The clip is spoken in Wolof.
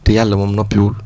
te yàlla moom noppiwul